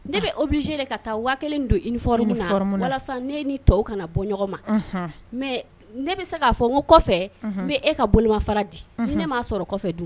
Ne bɛbiz ka taa wa kelen don ifɔɔri min walasa ne ni tɔ kana bɔ ɲɔgɔn ma mɛ ne bɛ se k'a fɔ n ko kɔfɛ bɛ e ka bolifa di ni ne m'a sɔrɔ kɔfɛ